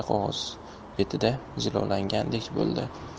qog'oz betida jilolangandek bo'ldi